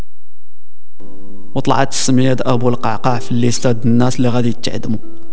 وطلعت السميد ابو القعقاع في الاستاذ الناس لي